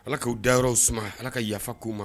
Ala k'aw da yɔrɔraw s suma ala ka yafa ko' ma